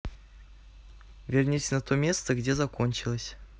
вернитесь на то место где закончилось